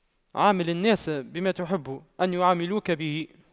عامل الناس بما تحب أن يعاملوك به